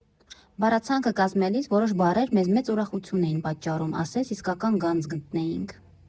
Բառացանկը կազմելիս, որոշ բառեր մեզ մեծ ուրախություն էին պատճառում, ասես՝ իսկական գանձ գտնեիք։